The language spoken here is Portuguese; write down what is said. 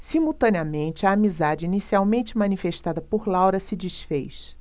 simultaneamente a amizade inicialmente manifestada por laura se disfez